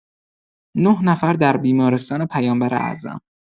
۹ نفر در بیمارستان پیامبر اعظم